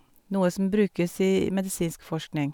Noe som brukes i medisinsk forskning.